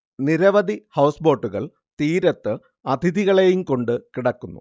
നിരവധി ഹൗസ് ബോട്ടുകൾ തീരത്ത് അതിഥികളെയും കൊണ്ട് കിടക്കുന്നു